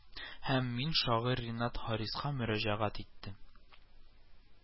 Һәм мин шагыйрь Ренат Хариска мөрәҗәгать иттем